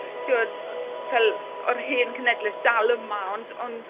t'wod ffel o'r hen cenedleth dal yma ond ond